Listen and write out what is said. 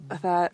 fatha